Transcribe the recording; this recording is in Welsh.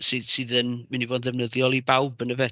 Sydd sydd yn mynd i fod yn ddefnyddiol i bawb yn dyfe?